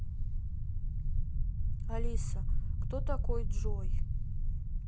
алиса кто такой джой